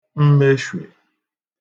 mmeshwè